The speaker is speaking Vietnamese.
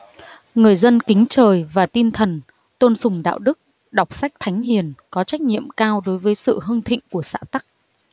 người dân kính trời và tin thần tôn sùng đạo đức đọc sách thánh hiền có trách nhiệm cao đối với sự hưng thịnh của xã tắc